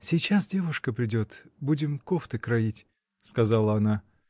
— Сейчас девушка придет: будем кофты кроить, — сказала она.